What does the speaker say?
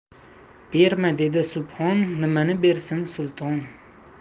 berma dedi subhon nimani bersin sulton